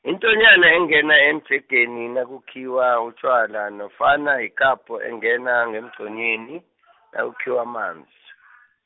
yintonyani engena emjekeni nakukhiwa utjwala, nofana yikapho engena ngemgqonyini , nakukhiwa amanzi.